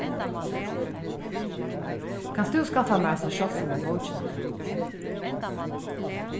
kanst tú skaffa mær hasa sjáldsomu bókina